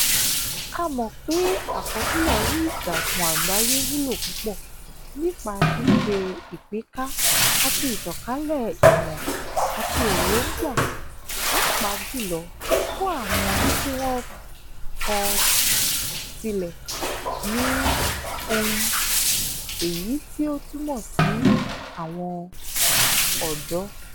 A mọ̀ pé àkọsílẹ̀ orí ìtàkùn àgbáyé wúlò púpọ̀ nípa ṣíṣe ìpínká àti ìtànkálẹ̀ ìmọ̀ àti èróńgbà, pàápàá jùlọ fún àwọn tí wọn kò tilẹ̀ ní 'ohun' - èyí tí ó túmọ̀ sí àwọn ọ̀dọ́.